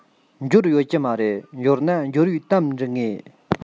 འབྱོར ཡོད ཀྱི མ རེད འབྱོར ན འབྱོར བའི གཏམ འབྲི ངེས